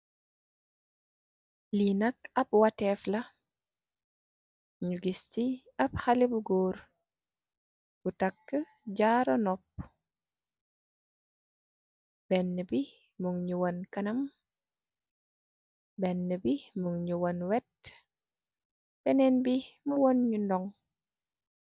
Li nak am wateef la ngi gis ci ap xalèh bu gór bu takka jaru benna bi mug ngi wan kanam benna mug ngi wan wet bennen bi mu wañ ngi ndongo.